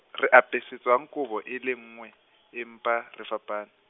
re apesitswang kobo e le nngwe, empa re fapane?